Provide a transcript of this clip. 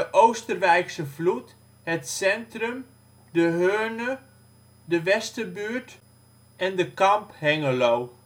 Oosterwijkse Vloed het Centrum de Heurne de Westerbuurt de Kamp Hengelo